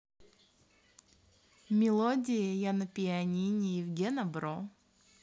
мелодии я на пианине евгена бро